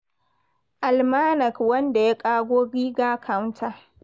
Almanac: Wanda ya ƙago Geiger Counter